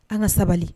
An ka sabali